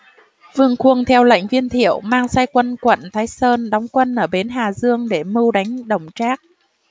vương khuông theo lệnh viên thiệu mang sai quân quận thái sơn đóng quân ở bến hà dương để mưu đánh đổng trác